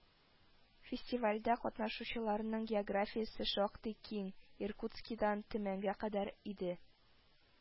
Фестивальдә катнашучыларның географиясе шактый киң – Иркутскидан Төмәнгә кадәр иде